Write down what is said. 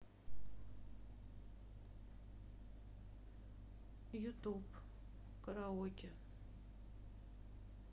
ютуб караоке